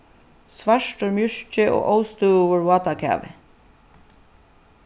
svartur mjørki og óstøðugur vátakavi